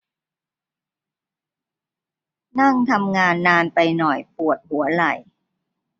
นั่งทำงานนานไปหน่อยปวดหัวไหล่